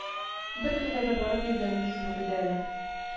Беркемгә дә барып йөргәнебез юк иде әле